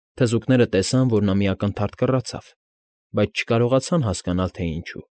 Թզուկները տեսան, որ նա մի ակնթարթ կռացավ, բայց չկարողացան հասկանալ, թե ինչու։